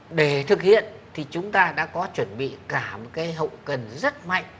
để thực hiện thì chúng ta đã có chuẩn bị cả một cái hậu cần rất mạnh